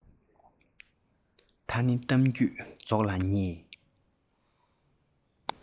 ད ནི གཏམ རྒྱུད རྫོགས ལ ཉེ